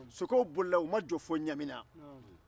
sokɛw bolila u ma jɔ fo ɲamina